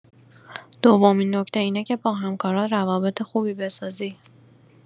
دومین نکته اینه که با همکارات روابط خوبی بسازی.